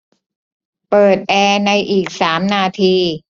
เปิดแอร์ในอีกสามนาที